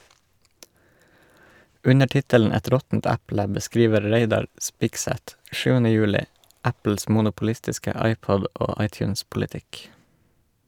Under tittelen "Et råttent eple" beskriver Reidar Spigseth 7. juli Apples monopolistiske iPod- og iTunes-politikk.